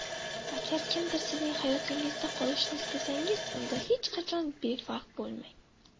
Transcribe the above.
agar kimdir sizning hayotingizda qolishini istasangiz unga hech qachon befarq bo'lmang